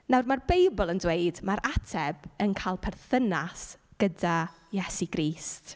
Nawr, mae'r Beibl yn dweud mai'r ateb yn cael perthynas gyda Iesu Grist.